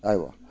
aywa